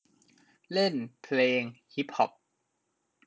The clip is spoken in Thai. เล่นเพลงฮิปฮอป